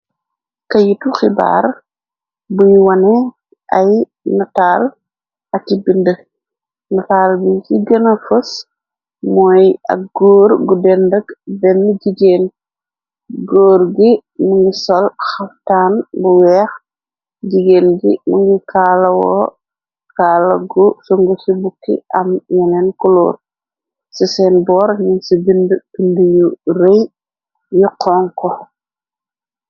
Keyitu xibaar buy wane ay nataal aki binde, nataal bi ci gëna fës mooy ak góor gu dendëg benne jigeen, góor gi mungi sol xaftaan bu weex, jigéen gi mungi kaalawoo, kaala gu sungu ci bukki, am yeneen koloor, ci seen boor ñun ci binde binde yu rëy yu xonxu.